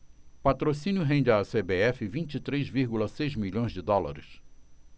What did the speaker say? patrocínio rende à cbf vinte e três vírgula seis milhões de dólares